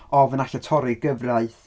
Ofn alle torri'r gyfraith.